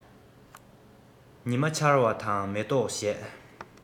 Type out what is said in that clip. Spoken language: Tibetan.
ཉི མ འཆར བ དང མེ ཏོག བཞད